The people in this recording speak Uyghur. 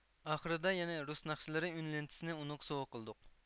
ئاخىرىدا يەنە رۇس ناخشىلىرى ئۈن لېنتىسىنى ئۇنىڭغا سوۋغا قىلدۇق